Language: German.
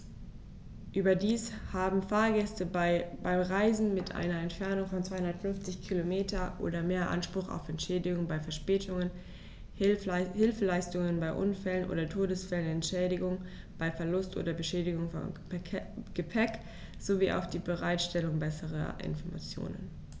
Überdies haben Fahrgäste bei Reisen mit einer Entfernung von 250 km oder mehr Anspruch auf Entschädigung bei Verspätungen, Hilfeleistung bei Unfällen oder Todesfällen, Entschädigung bei Verlust oder Beschädigung von Gepäck, sowie auf die Bereitstellung besserer Informationen.